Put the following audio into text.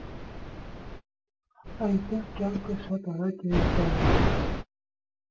Այնտեղ կյանքը շատ արագ է ընթանում։